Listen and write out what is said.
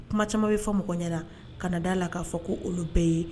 Kuma caman bɛ fɔ mɔgɔ ɲɛ ka na d'a la k'a fɔ ko olu bɛɛ ye